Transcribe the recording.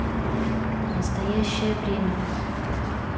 настоящее время